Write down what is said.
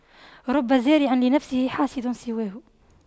رب زارع لنفسه حاصد سواه